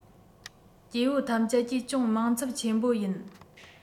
སྐྱེ བོ ཐམས ཅད ཀྱིས ཅུང དངངས ཚབ ཆེན པོ ཡིན